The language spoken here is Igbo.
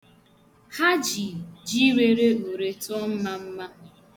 Ha ji ji rere ure tụọ mmamma.